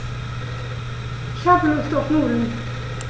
Ich habe Lust auf Nudeln.